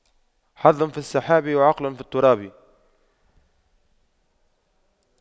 حظ في السحاب وعقل في التراب